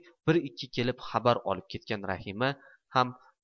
bir ikki kelib xabar olib ketgan rahima ham